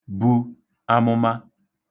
bu amụma